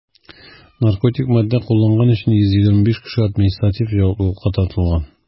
Наркотик матдә кулланган өчен 125 кеше административ җаваплылыкка тартылган.